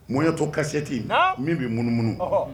Ŋyɔ to kasisɛti min bɛ munumunuunu